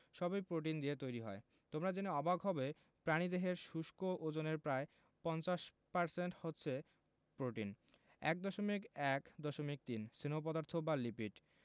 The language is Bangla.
সবই প্রোটিন দিয়ে তৈরি হয় তোমরা জেনে অবাক হবে প্রাণীদেহের শুষ্ক ওজনের প্রায় ৫০% হচ্ছে প্রোটিন ১.১.৩ স্নেহ পদার্থ বা লিপিড